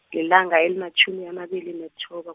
lilanga elimatjhumi amabili nethoba.